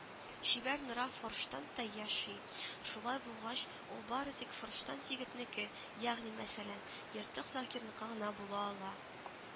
Чибәр Нора Форштандта яши, шулай булгач, ул бары тик Форштанд егетнеке, ягъни мәсәлән, Ертык Закирныкы гына була ала